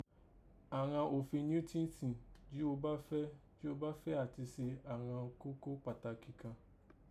Àghan òfin Níútíìnì, jí gho bá fẹ́, jí gho bá fẹ́ àti ṣe àghan kókó pàtàkì kàn